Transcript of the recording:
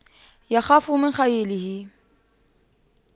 يخاف من خياله